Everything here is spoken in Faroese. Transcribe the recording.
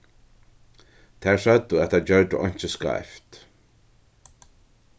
tær søgdu at tær gjørdu einki skeivt